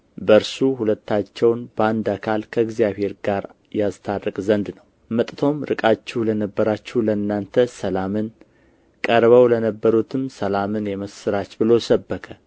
በእርሱ ሁለታቸውን በአንድ አካል ከእግዚአብሔር ጋር ያስታርቅ ዘንድ ነው መጥቶም ርቃችሁ ለነበራችሁ ለእናንተ ሰላምን ቀርበው ለነበሩትም ሰላምን የምስራች ብሎ ሰበከ